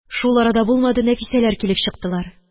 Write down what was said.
Шул ара да булмады, Нәфисәләр килеп чыктылар